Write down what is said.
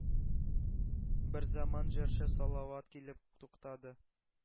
Берзаман җырчы Салават килеп туктады.